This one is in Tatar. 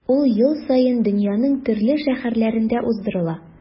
Ул ел саен дөньяның төрле шәһәрләрендә уздырыла.